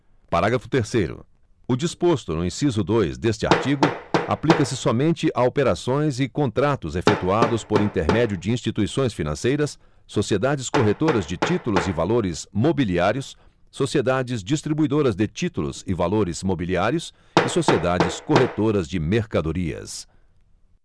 parágrafo terceiro o disposto no inciso dois deste artigo aplica se somente a operações e contratos efetuados por intermédio de instituições financeiras sociedades corretoras de títulos e valores mobiliários sociedades distribuidoras de títulos e valores mobiliários e sociedades corretoras de mercadorias